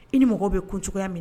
I ni mɔgɔw bɛ kun cogoyaya minɛ